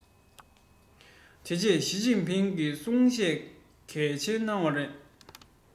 དེ རྗེས ཞིས ཅིན ཕིང གིས གསུང བཤད གལ ཆེན གནང བ རེད